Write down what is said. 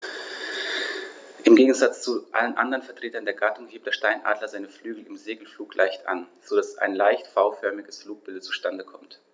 Im Gegensatz zu allen anderen Vertretern der Gattung hebt der Steinadler seine Flügel im Segelflug leicht an, so dass ein leicht V-förmiges Flugbild zustande kommt.